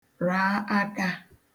ràa akā